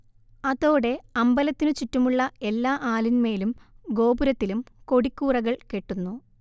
അതോടെ അമ്പലത്തിനു ചുറ്റുമുള്ള എല്ലാ ആലിന്മേലും ഗോപുരത്തിലും കൊടിക്കൂറകൾ കെട്ടുന്നു